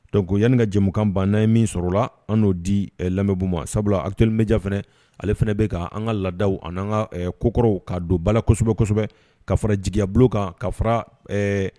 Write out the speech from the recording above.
Donc yani ka jɛmukan ban n'a ye min sɔrɔ o la, an n'o di lamɛnbugu ma sabula actuel media fɛnɛ; ale fana bɛ ka an ka laada, ani ka kokɔrɔw ka don bala kosɛbɛ, kosɛb, ka fara jigiyabulon kan, ka fara